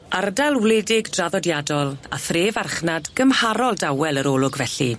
Ardal wledig draddodiadol a the farchnad gymharol dawel yr olwg felly.